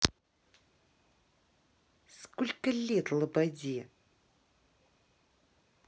сколько лет лободе